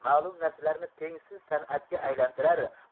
ma'lum narsalarni tengsiz san'atga aylantirar